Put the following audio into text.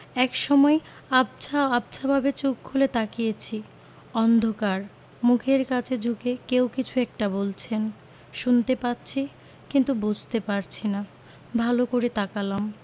একসময় আবছা আবছাভাবে চোখ খুলে তাকিয়েছি অন্ধকার মুখের কাছে ঝুঁকে কেউ কিছু একটা বলছেন শুনতে পাচ্ছি কিন্তু বুঝতে পারছি না ভালো করে তাকালাম